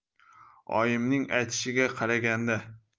oyimning aytishiga qaraganda